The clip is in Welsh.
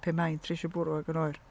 pan mae'n tresio bwrw ac yn oer...